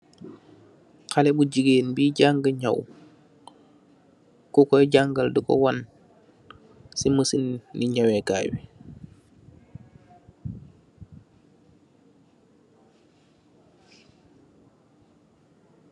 Khaleh bu jigain bii jangh nyaw, kukoy jangal dako wan, si machine ni nyawee kaay bi.